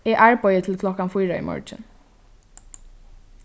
eg arbeiði til klokkan fýra í morgin